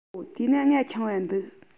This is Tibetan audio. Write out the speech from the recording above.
འོ དེས ན ང ཆུང བ འདུག